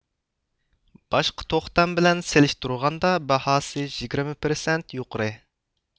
باشقا توختام بىلەن سىېلىشتۇرغاندا باھاسى يىگىرمە پىرسەنت يۇقىرى